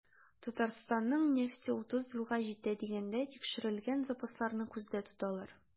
Татарстанның нефте 30 елга җитә дигәндә, тикшерелгән запасларны күздә тоталар.